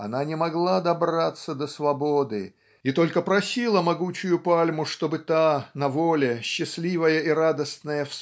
она не могла добраться до свободы и только просила могучую пальму чтобы та на воле счастливая и радостная